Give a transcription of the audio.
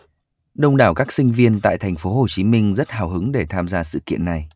đông đảo các sinh viên tại thành phố hồ chí minh rất hào hứng để tham gia sự kiện này